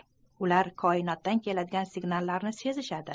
ular koinotdan keladigan signallarni sezishadi